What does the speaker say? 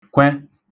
k̇wẹ